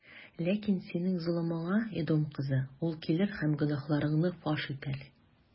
Ләкин синең золымыңа, Эдом кызы, ул килер һәм гөнаһларыңны фаш итәр.